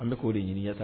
An bɛ k' de ɲini kan